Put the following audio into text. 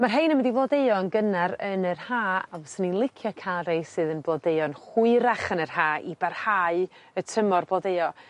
Ma'r rhein yn mynd i flodeuo'n gynnar yn yr Ha ond swn i'n licio ca' rei sydd yn blodeuo'n hwyrach yn yr Ha i barhau y tymor blodeuo.